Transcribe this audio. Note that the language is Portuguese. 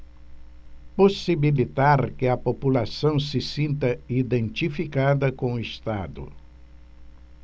possibilitar que a população se sinta identificada com o estado